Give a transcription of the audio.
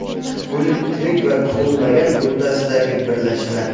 tarix o'lik tirik va tug'ilmagan o'rtasidagi birlashma